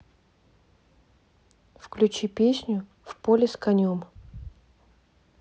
включи песню в поле с конем